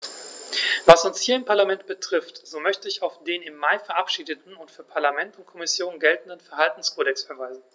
Was uns hier im Parlament betrifft, so möchte ich auf den im Mai verabschiedeten und für Parlament und Kommission geltenden Verhaltenskodex verweisen.